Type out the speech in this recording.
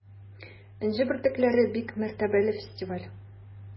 “энҗе бөртекләре” - бик мәртәбәле фестиваль.